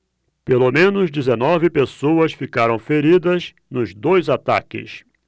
pelo menos dezenove pessoas ficaram feridas nos dois ataques